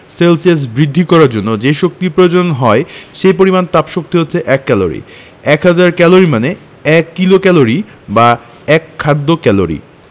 Celsius বৃদ্ধি করার জন্য যে শক্তির প্রয়োজন হয় সে পরিমাণ তাপশক্তি হচ্ছে এক ক্যালরি এক হাজার ক্যালরি সমান এক কিলোক্যালরি বা এক খাদ্য ক্যালরি